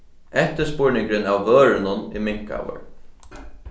eftirspurningurin av vørunum er minkaður